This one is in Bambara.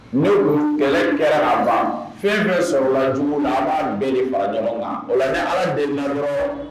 Ne kun kɛlɛ kɛra k'a ban fɛn-fɛn sɔrɔla jugu la a' b'a bɛɛ de fara ɲɔgɔn ŋan o la nɛ Ala delina dɔrɔɔn